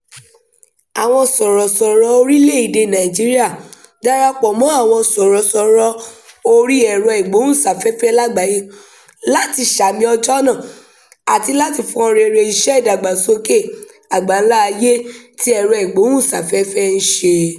Àwọn sọ̀rọ̀sọ̀rọ̀-ọ orílẹ̀-èdèe Nàìjíríà darapọ̀ mọ́ àwọn sọ̀rọ̀sọ̀rọ̀ orí ẹ̀rọ-ìgbóhùnsáfẹ́fẹ́ lágbàáyé láti sààmì ọjọ́ náà àti láti fọn rere iṣẹ́ ìdàgbàsókè àgbà-ńlá ayé tí ẹ̀rọ-ìgbóhùnsáfẹ́fẹ́ ń ṣe.